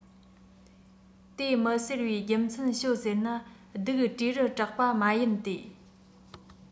དེ མི ཟེར བའི རྒྱུ མཚན ཤོད ཟེར ན སྡུག སྤྲེའུར སྐྲག པ མ ཡིན ཏེ